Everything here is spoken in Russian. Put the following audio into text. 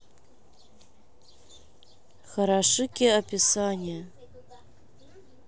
хорошики описание